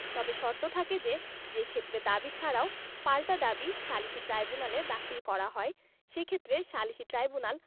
তবে শর্ত থাকে যে যেইক্ষেত্রে দাবী ছাড়াও পাল্টা দাবী সালিসী ট্রাইব্যুনালে দাখিল করা হয় সেইক্ষেত্রে সালিসী ট্রাইব্যুনাল